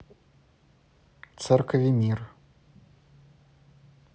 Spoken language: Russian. церкови мир